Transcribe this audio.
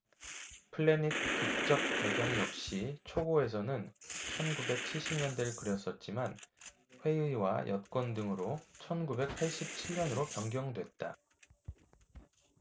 플래닛극적 배경 역시 초고에서는 천 구백 칠십 년대를 그렸었지만 회의와 여건 등으로 천 구백 팔십 칠 년으로 변경됐다